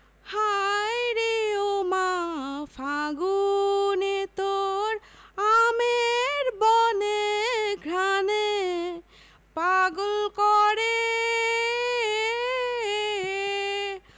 হায়রে ওমা ফাগুনে তোর আমের বনে ঘ্রাণে পাগল করে